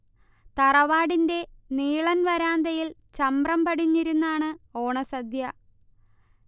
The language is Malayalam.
തറവാടിന്റെ നീളൻ വരാന്തയിൽ ചമ്രം പടിഞ്ഞിരുന്നാണ് ഓണസദ്യ